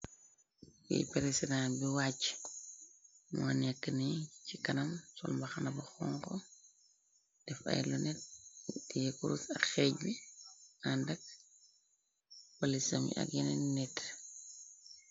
Am president bi wàcci mo nèkka ni ci kanam sol mbaxna bu xonxu def ay lu net def kurus ak xeej bi àndak polis am yi ak yenen nit.